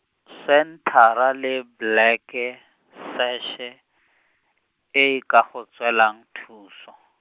Centre a le Black e, Sash e, e ka go tswelang thuso.